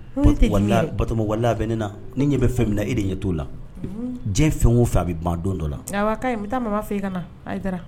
Labɛn ne na ne ɲɛ bɛ fɛn min na e de ɲɛ t'o la diɲɛ fɛn' fɛ a bɛ ban don dɔ la fɛ ka